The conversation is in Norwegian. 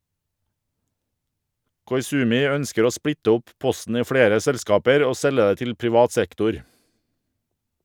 Koizumi ønsker å splitte opp posten i flere selskaper og selge det til privat sektor.